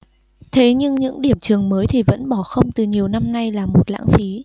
thế nhưng những điểm trường mới thì vẫn bỏ không từ nhiều năm nay là một lãng phí